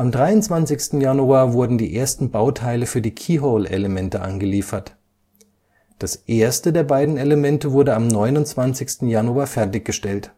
23. Januar wurden die erste Bauteile für die Keyhole-Elemente angeliefert. Das erste der beiden Elemente wurde am 29. Januar fertiggestellt